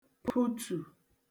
pụtù